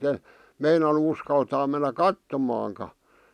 en meinannut uskaltaa mennä katsomaankaan